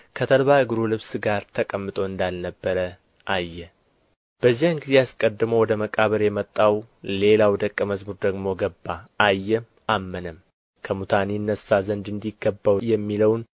ከተልባ እግሩ ልብስ ጋር ተቀምጦ እንዳልነበረ አየ በዚያን ጊዜ አስቀድሞ ወደ መቃብር የመጣውም ሌላው ደቀ መዝሙር ደግሞ ገባ አየም አመነም ከሙታን ይነሣ ዘንድ እንዲገባው የሚለውን